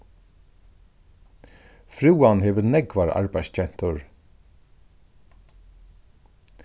frúan hevur nógvar arbeiðsgentur